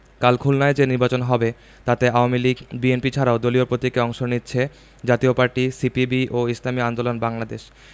কাল খুলনায় যে নির্বাচন হবে তাতে আওয়ামী লীগ বিএনপি ছাড়াও দলীয় প্রতীকে অংশ নিচ্ছে জাতীয় পার্টি সিপিবি ও ইসলামী আন্দোলন বাংলাদেশ